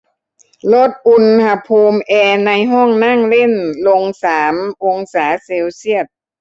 ลดอุณหภูมิแอร์ในห้องนั่งเล่นลงสามองศาเซลเซียส